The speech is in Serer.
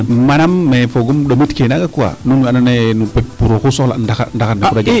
Manam mais fogum ɗomitkee naaga quoi nuun we andoona yee pour oxu soxla na ndaxar,